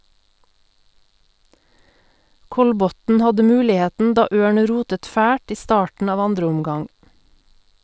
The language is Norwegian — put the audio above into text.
Kolbotn hadde muligheten da Ørn rotet fælt i starten av 2. omgang.